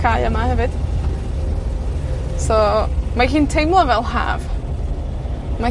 cau yma hefyd. So, mae hi'n teimlo fel Haf. Mae